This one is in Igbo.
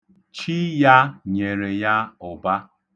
Chi ya nyere ya ụba.